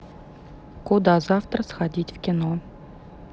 куда завтра сходить в кино